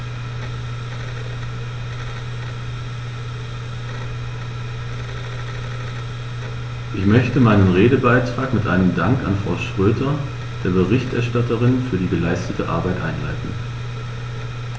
Ich möchte meinen Redebeitrag mit einem Dank an Frau Schroedter, der Berichterstatterin, für die geleistete Arbeit einleiten.